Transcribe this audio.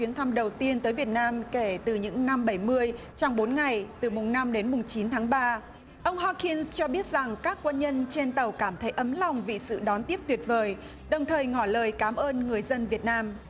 chuyến thăm đầu tiên tới việt nam kể từ những năm bảy mươi trong bốn ngày từ mùng năm đến mùng chín tháng ba ông ho khin cho biết rằng các quân nhân trên tàu cảm thấy ấm lòng vì sự đón tiếp tuyệt vời đồng thời ngỏ lời cám ơn người dân việt nam